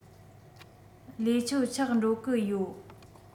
ལས ཆོད ཆག འགྲོ གི ཡོད